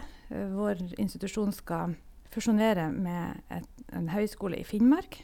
Vår institusjon skal fusjonere med et en høyskole i Finnmark.